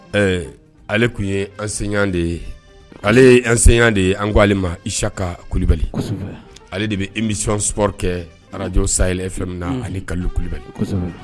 Ɛɛ ale tun ye an senya de ye ale ye an senya de ye an koale ma isaka kulubali ale de bɛ emisiɔns kɛ araj say e min na ani kalo kulubali